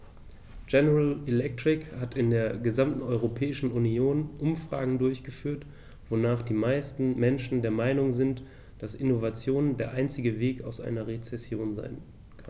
General Electric hat in der gesamten Europäischen Union Umfragen durchgeführt, wonach die meisten Menschen der Meinung sind, dass Innovation der einzige Weg aus einer Rezession ist.